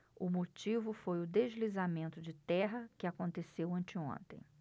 o motivo foi o deslizamento de terra que aconteceu anteontem